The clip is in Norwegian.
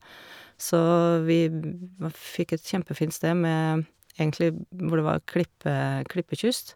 Så vi va fikk et kjempefint sted med egentlig bm hvor det var klippe klippekyst.